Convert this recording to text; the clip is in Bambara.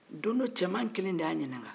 don dɔ cɛman kelen de y'a ɲinika